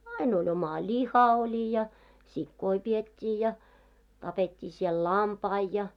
aina oli oma liha oli ja sikoja pidettiin ja tapettiin siellä lampaita ja